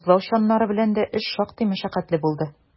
Тозлау чаннары белән дә эш шактый мәшәкатьле булды.